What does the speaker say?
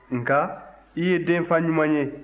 nka i ye denfa ɲuman ye